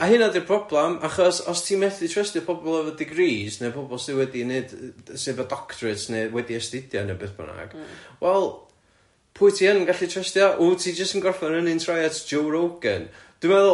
A hynna 'di'r problam achos os ti methu trystio pobol efo degrees neu pobol sydd wedi 'neud, sydd efo doctorates neu wedi astudio neu beth bynnag wel pwy ti yn gallu trystio, wyt ti jyst yn gorffen yr un tro at Joe Rogan, dwi'n meddwl